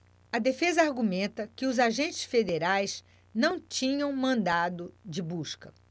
a defesa argumenta que os agentes federais não tinham mandado de busca